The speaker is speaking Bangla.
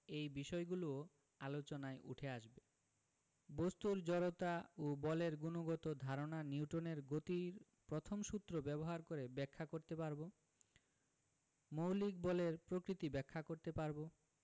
এই বিষয়গুলোও আলোচনায় উঠে আসবে বস্তুর জড়তা ও বলের গুণগত ধারণা নিউটনের গতির প্রথম সূত্র ব্যবহার করে ব্যাখ্যা করতে পারব মৌলিক বলের প্রকৃতি ব্যাখ্যা করতে পারব